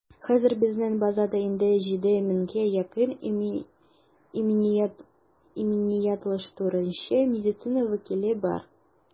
Хәзер безнең базада инде 7 меңгә якын иминиятләштерүче медицина вәкиле бар.